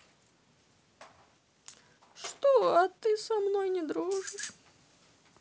что а ты со мной не дружишь